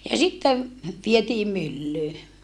ja sitten vietiin myllyyn